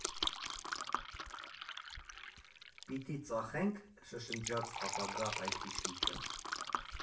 Պիտի ծախե՞նք, ֊ շշնջաց ապագա այթիշնիկը։